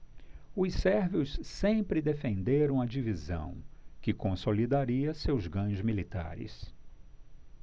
os sérvios sempre defenderam a divisão que consolidaria seus ganhos militares